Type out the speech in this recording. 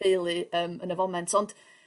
ffeilu yym yn y foment ond